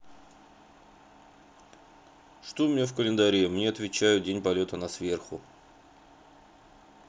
что у меня в календаре мне отвечают день полета на сверху